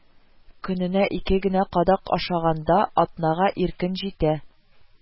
Көненә ике генә кадак ашаганда, атнага иркен җитә"